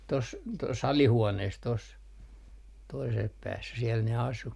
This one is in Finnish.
tuossa tuossa alihuoneessa tuossa toisella päässä siellä ne asui